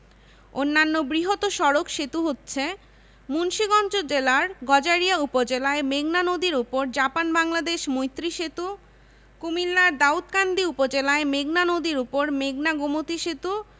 অন্যান্য বৃহৎ সড়ক সেতু হচ্ছে মুন্সিগঞ্জ জেলার গজারিয়া উপজেলায় মেঘনা নদীর উপর জাপান বাংলাদেশ মৈত্রী সেতু কুমিল্লার দাউদকান্দি উপজেলায় মেঘনা নদীর উপর মেঘনা গোমতী সেতু